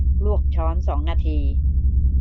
ลวกช้อนสองนาที